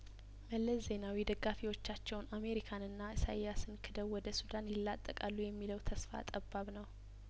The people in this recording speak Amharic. መለስ ዜናዊ ደጋፊዎቻቸውን አሜሪካንና ኢሳያስን ክደው ወደ ሱዳን ይላጠቃሉ የሚለው ተስፋ ጠባብ ነው